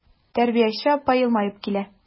Тәрбияче апа елмаеп килә.